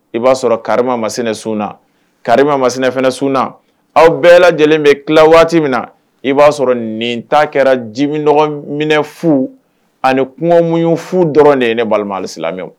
I b'a sɔrɔ karima masina sunna, karima masina fana sunna. Aw bɛɛ lajɛlen bɛ tila waati min na, i b'a sɔrɔ nin ta kɛra ji minɔgɔ fu ani kɔngɔnmuɲu fu dɔrɔn de ye ne balima alisilamɛw.